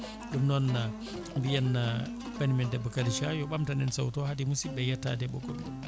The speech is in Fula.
ɗum noon mbiyen banimen debbo Kalisa yo ɓamtan en sawto haade musibɓe yettade e ɓoggol ngol